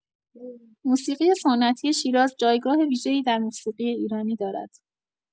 موسیقی سنتی شیراز جایگاه ویژه‌ای در موسیقی ایرانی دارد.